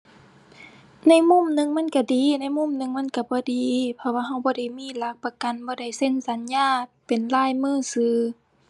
ในมุมหนึ่งมันก็ดี ในมุมหนึ่งมันก็บ่ดี เพราะว่าก็บ่ได้มีหลักประกัน บ่ได้เซ็นสัญญาเป็นลายมือก็